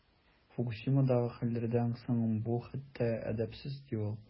Фукусимадагы хәлләрдән соң бу хәтта әдәпсез, ди ул.